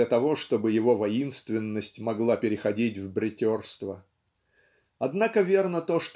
для того чтобы его воинственность могла переходить в бреттерство. Однако верно то